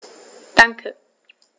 Danke.